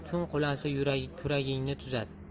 kun qulansa kuragingni tuzat